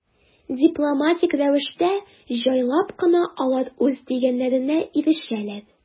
Дипломатик рәвештә, җайлап кына алар үз дигәннәренә ирешәләр.